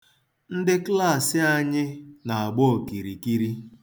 Ndị klaasị anyị na-agba okirikiri.